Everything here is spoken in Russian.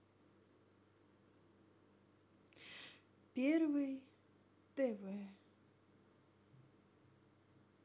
первый тв